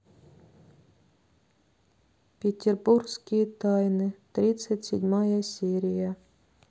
петербургские тайны тридцать седьмая серия